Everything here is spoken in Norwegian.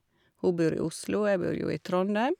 Hun bor i Oslo, og jeg bor jo i Trondheim.